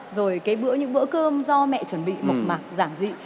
rồi cái bữa những bữa cơm do mẹ chuẩn bị mộc mạc giản dị